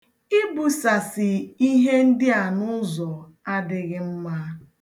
Ibusasị ihe ndị a n'ụzọ adịghị mma.